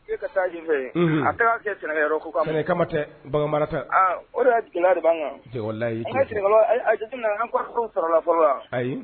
Ka taajifɛ a taara kɛ sɛnɛyɔrɔ ko kama tɛ o de sara fɔlɔ la ayi